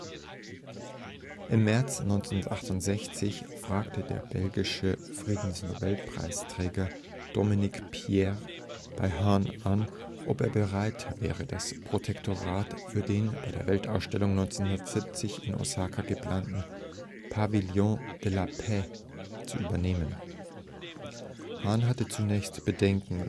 Im März 1968 fragte der belgische Friedensnobelpreisträger Dominique Pire bei Hahn an, ob er bereit wäre, das Protektorat für den bei der Weltausstellung 1970 in Osaka geplanten „ Pavillon de la Paix “zu übernehmen. Hahn hatte zunächst Bedenken